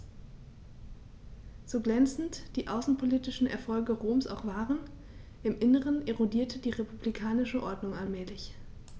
So glänzend die außenpolitischen Erfolge Roms auch waren: Im Inneren erodierte die republikanische Ordnung allmählich.